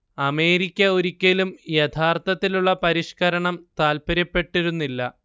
America ഒരിക്കലും യഥാർത്ഥത്തിലുള്ള പരിഷ്കരണം താല്പര്യപ്പെട്ടിരുന്നില്ല